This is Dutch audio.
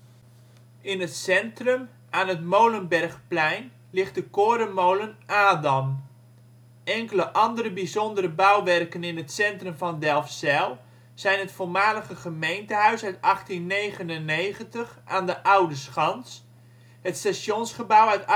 In het centrum aan het Molenbergplein ligt de korenmolen Adam. Enkele andere bijzondere bouwwerken in het centrum van Delfzijl zijn het voormalige Gemeentehuis uit 1899 aan de Oude Schans, het Stationsgebouw uit